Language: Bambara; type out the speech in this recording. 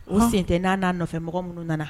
U sente n'a'a nɔfɛ mɔgɔ minnu nana